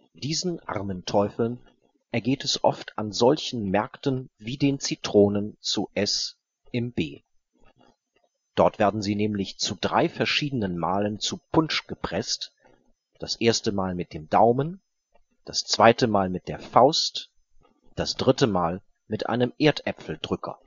Diesen armen Teufeln ergeht es oft an solchen Märkten wie den Zitronen zu S. im B.: dort werden sie nämlich zu drei verschiedenen Malen zu Punsch gepreßt, das erstemal mit dem Daumen, das zweitemal mit der Faust, das drittemal mit einem Erdäpfeldrücker